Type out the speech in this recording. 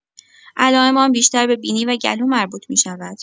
علائم آن بیشتر به بینی و گلو مربوط می‌شود.